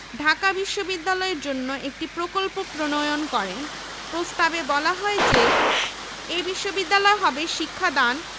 ঢাকা বিশ্ববিদ্যালয়ের জন্য একটি প্রকল্প প্রণয়ন করেন প্রস্তাবে বলা হয় যে এ বিশ্ববিদ্যালয় হবে শিক্ষাদান